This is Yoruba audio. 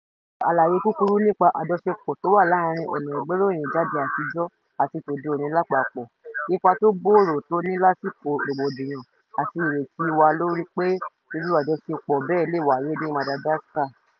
Mo ṣe àlàyé kúkurú nípa àjọṣepọ̀ tó wà láàárin ọ̀nà ìgbéròyìn jáde àtijọ́ àti tòde òní lápapọ̀, ipa tó gbóòrò tó ní lásìkò rògbòdiyàn àti ìretí wa lóri pé irú ajọṣepọ̀ bẹ́ẹ̀ lè wáye ní Madagascar.